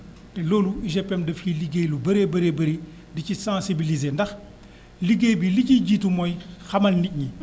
loolu UGPM daf ci liggéey lu baree bari bari di ci sensibilisé ndax liggéey bi li ciy jiitu mooy xamal nit ñi